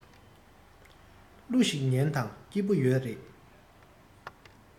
གླུ ཞིག ཉན དང སྐྱིད པོ ཡོད རེད